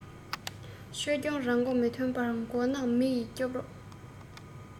ཆོས སྐྱོང རང མགོ མི ཐོན པར མགོ ནག མི ཡི སྐྱོབ རོག